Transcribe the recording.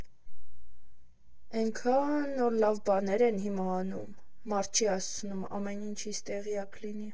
Էնքա՜ն նոր լավ բաներ են հիմա անում, մարդ չի հասցնում ամեն ինչից տեղյակ լինի։